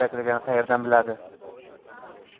nima kerakligini qayerdan biladi